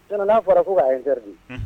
sinon n'a fiɔra ko k'a interdit